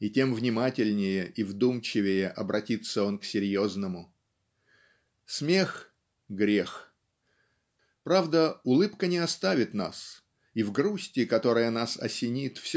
и тем внимательнее и вдумчивее обратится он к серьезному. Смех - грех. Правда улыбка не оставит нас и в грусти которая нас осенит